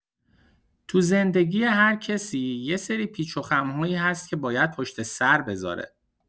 تو زندگی هرکسی یه سری پیچ‌وخم‌هایی هست که باید پشت‌سر بذاره.